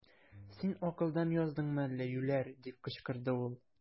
Син акылдан яздыңмы әллә, юләр! - дип кычкырды ул.